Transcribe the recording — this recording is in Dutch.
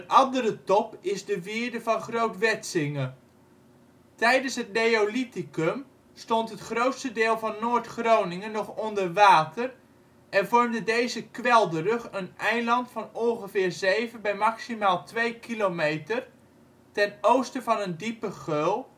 andere top is de wierde van (Groot -) Wetsinge. Tijdens het Neolithicum stond het grootste deel van Noord-Groningen nog onder water en vormde deze kwelderrug een eiland van ongeveer 7 bij maximaal 2 kilometer ten oosten van een diepe geul